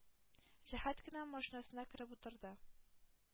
Җәһәт кенә машинасына кереп утырды.